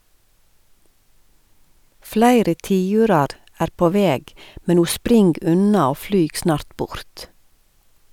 Fleire tiurar er på veg, men ho spring unna og flyg snart bort.